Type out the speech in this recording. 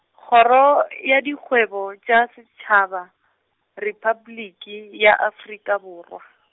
Kgoro ya Dikgwebo tša Setšhaba, Repabliki ya Afrika Borwa.